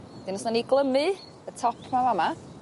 'Den os nawn ni glymu y top 'ma fa' 'ma